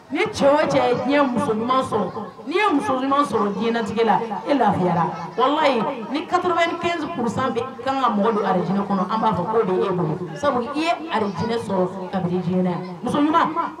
Ni cɛ cɛ musoi ye muso sɔrɔinɛtigi la e lafiya wala nitobali kuru i kan ka mɔgɔ aradin kɔnɔ an b'a fɔ de sabu i ye arainɛ